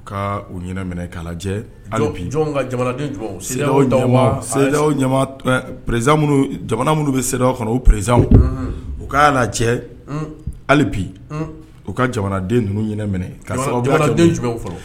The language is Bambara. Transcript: Ka u ɲɛna minɛ k'a jɛz jamana minnu bɛ se kɔnɔ u prezw u ka cɛ hali bi u ka jamanaden ninnu ɲɛna minɛ